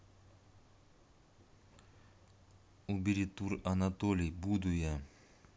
убери тур анатолий буду я